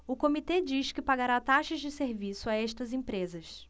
o comitê diz que pagará taxas de serviço a estas empresas